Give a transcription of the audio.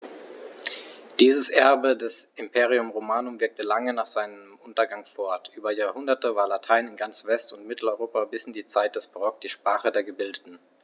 Dieses Erbe des Imperium Romanum wirkte lange nach seinem Untergang fort: Über Jahrhunderte war Latein in ganz West- und Mitteleuropa bis in die Zeit des Barock die Sprache der Gebildeten.